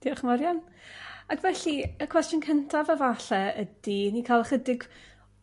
Diolch yn fawr iawn. Ag felly y cwestiwn cyntaf efalle ydi i ni ca'l ychydig